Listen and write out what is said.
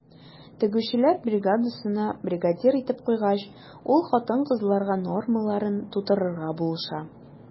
Тегүчеләр бригадасына бригадир итеп куйгач, ул хатын-кызларга нормаларын тутырырга булыша.